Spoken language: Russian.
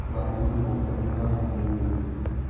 Граф улыбнулся раздраженной улыбкой.